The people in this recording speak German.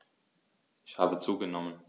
Ich habe zugenommen.